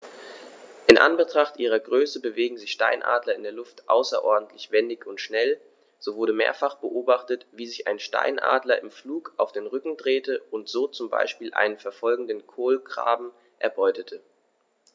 In Anbetracht ihrer Größe bewegen sich Steinadler in der Luft außerordentlich wendig und schnell, so wurde mehrfach beobachtet, wie sich ein Steinadler im Flug auf den Rücken drehte und so zum Beispiel einen verfolgenden Kolkraben erbeutete.